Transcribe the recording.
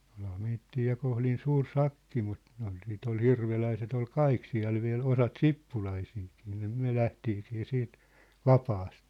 olihan meitä ja kohdin suuri sakki mutta ne oli sitten oli hirveläiset oli kaikki siellä vielä osat sippulaisiakin niin me lähdettiinkin siitä vapaasti